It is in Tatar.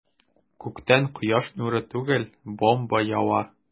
Күктән кояш нуры түгел, бомба ява.